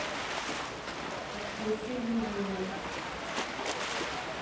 отключить будильник